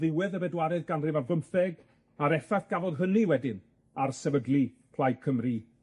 ddiwedd y bedwaredd ganrif ar bymtheg, a'r effath gafodd hynny wedyn ar sefydlu Plaid Cymru